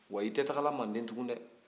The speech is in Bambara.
wa i tɛ taala manden tugunni dɛ